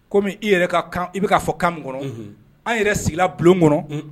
Komi i yɛrɛ ka kan , i bɛ k'a fɔ kan min kɔnɔ, unhun, an yɛrɛ sigira bulon kɔnɔ